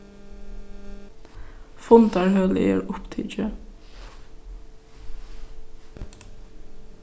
fundarhølið er upptikið